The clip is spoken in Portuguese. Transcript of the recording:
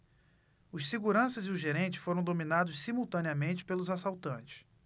os seguranças e o gerente foram dominados simultaneamente pelos assaltantes